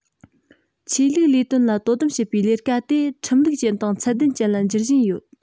ཆོས ལུགས ལས དོན ལ དོ དམ བྱེད པའི ལས ཀ དེ ཁྲིམས ལུགས ཅན དང ཚད ལྡན ཅན ལ འགྱུར བཞིན ཡོད